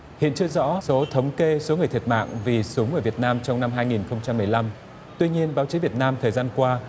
hiện chưa rõ số thống kê số người thiệt mạng vì súng ở việt nam trong năm hai nghìn không trăm mười lăm tuy nhiên báo chí việt nam thời gian qua